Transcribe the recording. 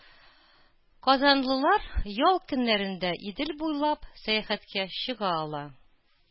Казанлылар ял көннәрендә Идел буйлап сәяхәткә чыга ала.